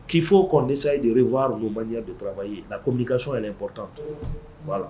K'i fɔ kodisa' manya donura ye la ko n'i ka so yɛrɛ pta b'a la